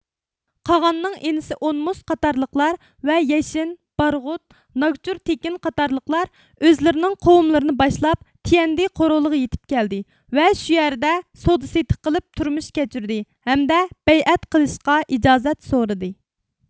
قاغاننىڭ ئىنىسى ئونمۇس قاتارلىقلار ۋە يەشىن بارغۇت ناگچۇر تېكىن قاتارلىقلار ئۆزلىرىنىڭ قوۋمىلىرىنى باشلاپ تيەندې قورۇلىغا يېتىپ كەلدى ۋە شۇ يەردە سودا سېتىق قىلىپ تۇرمۇش كەچۈردى ھەمدە بەيئەت قىلىشقا ئىجازەت سورىدى